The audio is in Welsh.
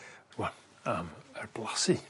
Rŵan am yr blasu.